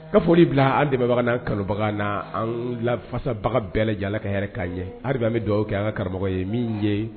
Ka foli bila an dɛmɛbagabaga an lafasabaga bɛɛ ala ka yɛrɛ k'a ye an bɛ dugawu kɛ an ka karamɔgɔ ye min ye ye